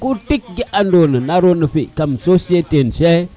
tiko tik ke ge ando na naro na fi kam société se